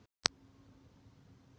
человек ноября